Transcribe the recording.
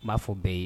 N m'a fɔ bɛɛ ye